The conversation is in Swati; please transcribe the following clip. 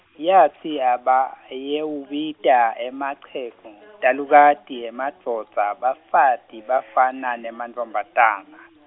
yatsi abayewubita emachegu, talukati, emadvodza, bafati, bafana nemantfombatana.